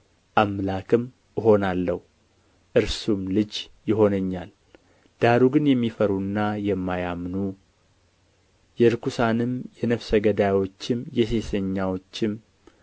አምላክም እሆነዋለሁ እርሱም ልጅ ይሆነኛል ዳሩ ግን የሚፈሩና የማያምኑ የርኵሳንም የነፍሰ ገዳዮችም የሴሰኛዎችም